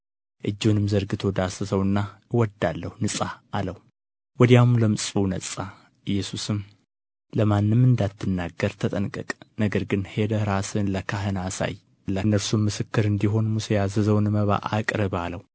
እጁንም ዘርግቶ ዳሰሰውና እወዳለሁ ንጻ አለው ወዲያውም ለምጹ ነጻ ኢየሱስም ለማንም እንዳትናገር ተጠንቀቅ ነገር ግን ሄደህ ራስህን ለካህን አሳይ ለእነርሱም ምስክር እንዲሆን ሙሴ ያዘዘውን መባ አቅርብ አለው